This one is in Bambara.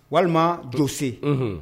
Walima donsosen